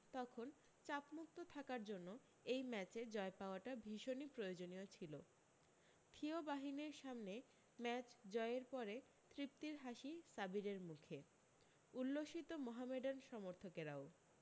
তখন চাপমুক্ত থাকার জন্য এই ম্যাচে জয় পাওয়াটা ভীষণি প্রয়োজনীয় ছিল থিও বাহিনীর সামনে ম্যাচ জয়ের পরে তৃপ্তির হাসি সাবিরের মুখে উল্লসিত মোহামেডান সমর্থকেরাও